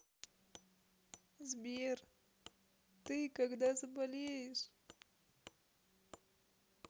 сбер ты когда заболеешь